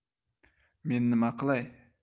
men nima qilay